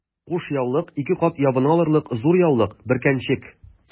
Кушъяулык— ике кат ябына алырлык зур яулык, бөркәнчек...